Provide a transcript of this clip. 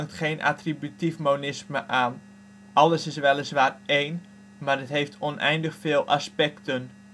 geen attributief monisme aan! Alles is weliswaar één, maar het heeft oneindig veel aspecten